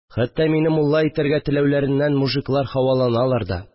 Хәтта мине мулла итәргә теләүләреннән мужиклар һаваланалар да